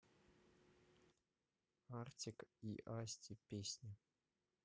artik и asti песни